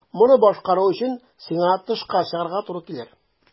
Моны башкару өчен сиңа тышка чыгарга туры килер.